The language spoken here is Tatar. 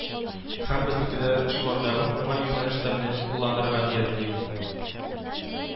Һәм безнекеләр шулардагы уңай юнәлешләрне кулланырга ниятли